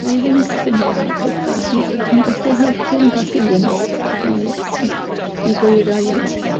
Dwi ddim yn gallu neu' rai petha, ond dy- dwi'n gallu helpu amball un i n- i gywiro iaith.